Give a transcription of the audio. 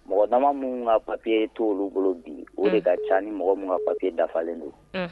Mɔgɔ dama minnu ka papiye ye to olu bolo bi o de ka ca ni mɔgɔ minnu ka papiye dafalen don